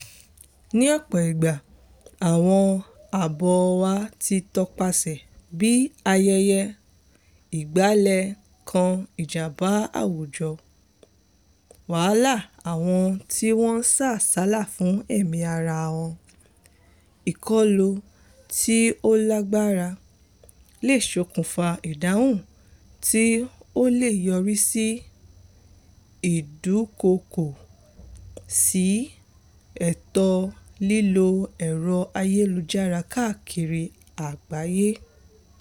Ní ọ̀pọ̀ ìgbà, àwọn àbọ̀ wa ti tọpasẹ̀ bí ayẹyẹ ìgbálẹ̀ kan-ìjàmbá àwùjọ, wàhálà àwọn tí wọ́n ń sá àsálà fún ẹ̀mí wọn, ìkọlù tí ó lágbára - lè ṣokùnfà ìdáhùn tí ó lè yọrí sí ìdúkokò sí ẹ̀tọ́ lílo ẹ̀rọ ayélujára káàkiri àgbáyé.